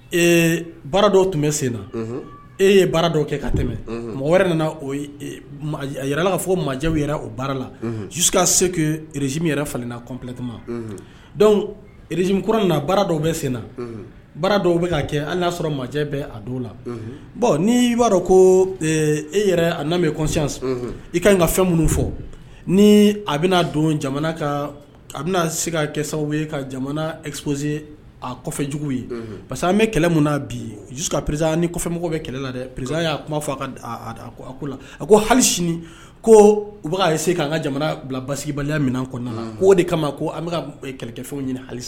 Dɔw tun bɛ sen na e ye baara kɛ tɛmɛ mɔgɔ wɛrɛ nana yɛlɛ fɔ ma o baara la'a se karz yɛrɛ fa kɔnlɛtɛrz k baara dɔw bɛ sen na dɔw bɛ kɛ hali y'a sɔrɔ bɛɛ la ni'a dɔn ko e' i ka n ka fɛn minnu fɔ ni a bɛna don bɛna se ka kɛ sababu ka jamanapse a kɔfɛjugu ye parce que an bɛ kɛlɛ min bi ka pz ni kɔfɛmɔgɔ bɛ kɛlɛ la dɛ priz y'a kuma fɔ a ko la a ko hali sini ko u' se k' ka jamana bila basisibali min kɔnɔna ko o de kama ko an bɛka kɛlɛfɛnw ɲini hali